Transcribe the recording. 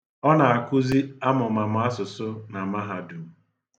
Ọ na-akuzi amụmamụ asụsụ na Mahadum.